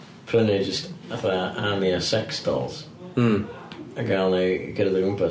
Prynu jyst fatha army o sexdolls... mm... a gael nhw i gerdded o gwmpas.